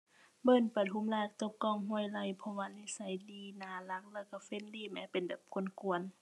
เบิล ปทุมราช กับ ก้อง ห้วยไร่ เพราะว่านิสัยดี น่ารัก แล้วก็ friendly แหม เป็นแบบกวนกวน